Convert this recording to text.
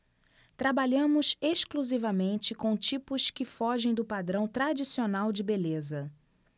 trabalhamos exclusivamente com tipos que fogem do padrão tradicional de beleza